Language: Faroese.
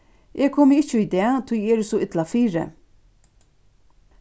eg komi ikki í dag tí eg eri so illa fyri